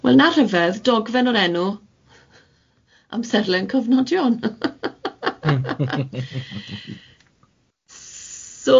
O, wel na rhyfedd, dogfen o'r enw, amserlen cyfnodion.